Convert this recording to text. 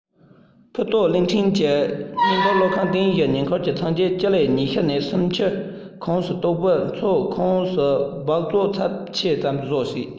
ཕུའུ ཏའོ གླིང ཕྲན གྱི ཉིང རྡུལ གློག ཁང རྟེན གཞིའི ཉེ འཁོར གྱི ཚངས ཕྱེད སྤྱི ལེ ཉེ ཤུ ནས སུམ བཅུ ཁོངས སུ གཏོགས པའི མཚོ ཁོངས སུ སྦགས བཙོག ཚབས ཆེ ཙམ བཟོ སྲིད